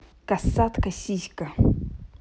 косатка сиська